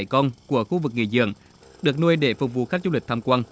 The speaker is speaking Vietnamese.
con của khu vực nghỉ dưỡng được nuôi để phục vụ khách du lịch tham quan